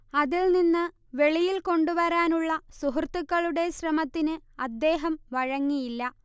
അതിൽ നിന്ന് വെളിയിൽ കൊണ്ടുവരാനുള്ള സുഹൃത്തുക്കളുടെ ശ്രമത്തിന് അദ്ദേഹം വഴങ്ങിയില്ല